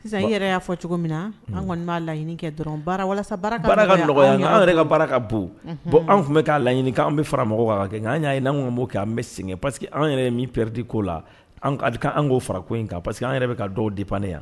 Sisan i yɛrɛ y'a fɔ cogo min na an kɔni b'a laɲini kɛ dɔrɔn walasa ka baara anw yɛrɛ ka baara ka bon bon an tun bɛ k'a laɲini k'an bɛ fara mɔgɔw kan ka kɛ nka an y'a ye n'an ko k'an b'o kɛ an bɛ sɛgɛn pas ke an yɛrɛ min pɛridi ko la k'o fara ko in kan pas ke an yɛrɛ bɛ ka dɔw depane yan.